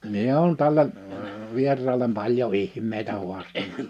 minä olen tälle vieraalle paljon ihmeitä haastanut